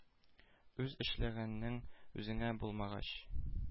Үз эшләгәнең үзеңә булмагач,